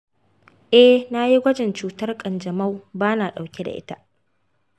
eh nayi gwajin cutar kanjamau bana ɗauke da ita